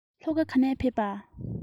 ལྷོ ཁ ག ནས ཕེབས པ